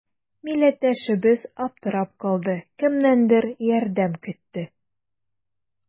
Милләттәшебез аптырап калды, кемнәндер ярдәм көтте.